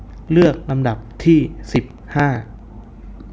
เลือกลำดับที่สิบห้า